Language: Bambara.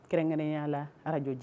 Kɛrɛnya la arajji